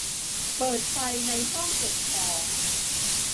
เปิดไฟในห้องเก็บของ